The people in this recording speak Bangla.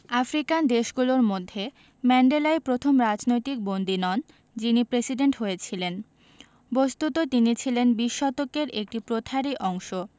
আফ্রিকান দেশগুলোর মধ্যে ম্যান্ডেলাই প্রথম রাজনৈতিক বন্দী নন যিনি প্রেসিডেন্ট হয়েছিলেন বস্তুত তিনি ছিলেন বিশ শতকের একটি প্রথারই অংশ